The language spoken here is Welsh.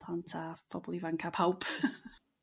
pant af phobol ifanc a pawb .